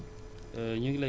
jërëjëf